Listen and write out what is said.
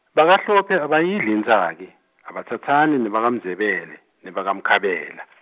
BakaHlophe abayidli intsaki, abatsatsani nebakaMndzebele nebakaMkhabela.